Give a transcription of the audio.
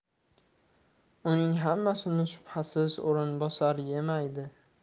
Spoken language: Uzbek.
uning hammasini shubhasiz o'rinbosar yemaydi